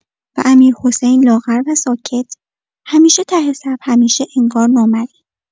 و امیرحسین، لاغر و ساکت، همیشه ته صف، همیشه انگار نامرئی.